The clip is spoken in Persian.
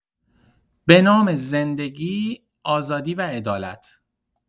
به نام زندگی، آزادی و عدالت